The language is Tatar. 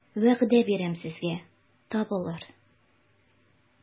Вәгъдә бирәм сезгә, табылыр...